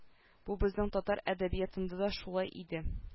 Бу безнең татар әдәбиятында да шулай иде